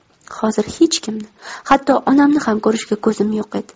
hozir hech kimni hatto onamni ham ko'rishga ko'zim yo'q edi